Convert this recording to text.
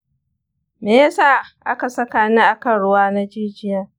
me yasa aka saka ni a kan ruwa na jijiya?